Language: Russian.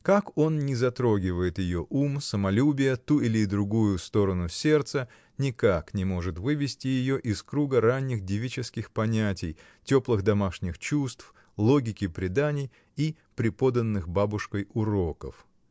Как он ни затрогивает ее ум, самолюбие, ту или другую сторону сердца — никак не может вывести ее из круга ранних, девических понятий, теплых, домашних чувств, логики преданий и преподанных бабушкой уроков.